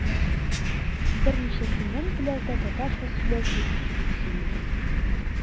Берничә көннән пляжда татарча сөйләшү ишетеп сөендем.